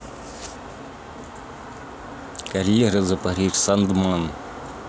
карьера за париж sandman